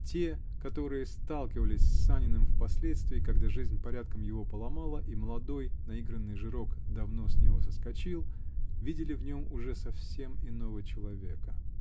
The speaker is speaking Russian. Те, которые сталкивались с Саниным впоследствии, когда жизнь порядком его поломала и молодой, наигранный жирок давно с него соскочил, -- видели в нем уже совсем иного человека.